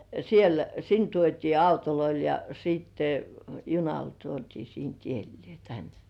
siellä sinne tuotiin autoilla ja sitten junalla tuotiin siitä edelleen ja tänne